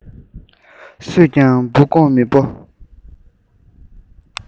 སུས ཀྱང འབུ རྐོ མི སྤོབས